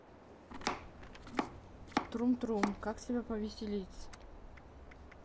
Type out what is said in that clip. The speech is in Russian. трум трум как себя повеселить